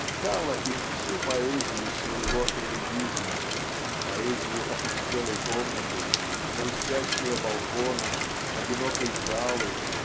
отдало им всю поэзию своего элегизма поэзию опустелой комнаты грустящего балкона одинокой залы